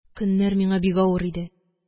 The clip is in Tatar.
Көннәр миңа бик авыр иде.